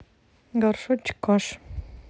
горшочек каши